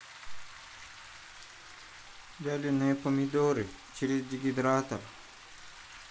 вяленые помидоры через дегидратор